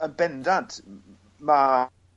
yn bendant m- m- ma'